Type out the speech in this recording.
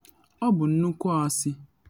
‘Ọ bụ nnukwu asị.